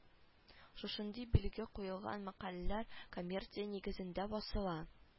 Шушындый билге куелган мәкаләләр коммерция нигезендә басыла